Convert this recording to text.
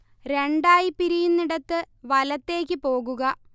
രണ്ടായി പിരിയുന്നയിടത്ത് വലത്തേക്ക് പോകുക